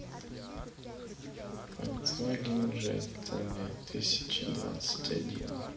фольксваген джетта две тысячи двадцать один